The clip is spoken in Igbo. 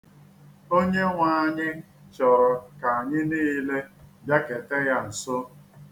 Onyenweanyị chọrọ ka anyị niile biaketee ya nso.